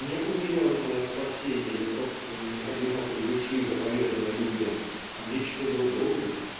Не умиленное спасение собственной одинокой души заповедано людям а нечто другое